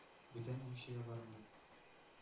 — бүтән имчегә барырмын.